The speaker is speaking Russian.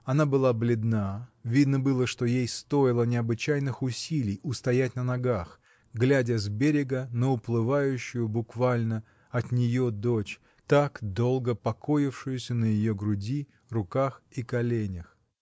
Она была бледна: видно было, что ей стоило необычайных усилий устоять на ногах, глядя с берега на уплывающую буквально — от нее дочь, так долго покоившуюся на ее груди, руках и коленях.